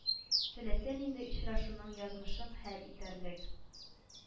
Теләсә нинди очрашуның язмышын хәл итәрлек,